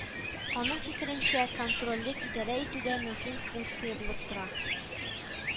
Аның фикеренчә, контрольлек идарә итүдә мөһим функция булып тора